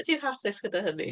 Wyt ti'n hapus gyda hynny?